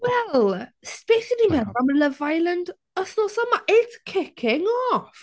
Wel, s- beth ni'n meddwl am y Love Island wythnos yma? It's kicking off!